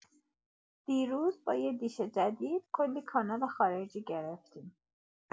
دیروز با یه دیش جدید، کلی کانال خارجی گرفتیم!